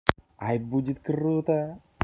ай будет круто